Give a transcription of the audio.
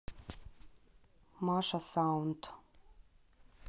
маша саунд